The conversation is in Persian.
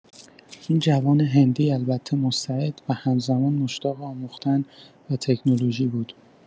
این جوان هندی البته مستعد و همزمان مشتاق آموختن و تکنولوژی بود.